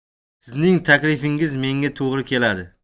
sizning taklifingiz menga to'g'ri keladi